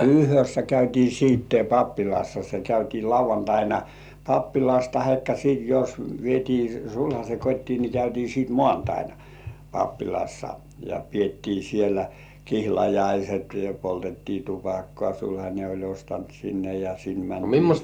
yhdessä käytiin sitten pappilassa se käytiin lauantaina pappilassa tai sitten jos vietiin sulhasen kotiin niin käytiin sitten maanantaina pappilassa ja pidettiin siellä kihlajaiset ja poltettiin tupakkaa sulhanen oli ostanut sinne ja sinne mentiin